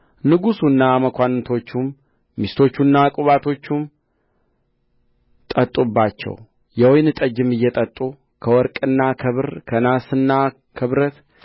ንጉሡና መኳንንቶቹም ሚስቶቹና ቁባቶቹም ጠጡባቸው የወይን ጠጅም እየጠጡ ከወርቅና ከብር ከናስና ከብረት